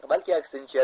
balki aksincha